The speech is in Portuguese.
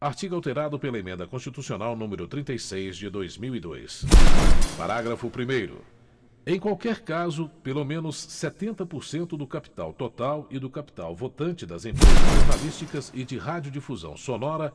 artigo alterado pela emenda constitucional número trinta e seis de dois mil e dois parágrafo primeiro em qualquer caso pelo menos setenta por cento do capital total e do capital votante das empresas jornalísticas e de radiodifusão sonora